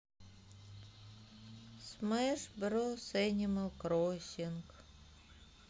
смэш брос энимал кроссинг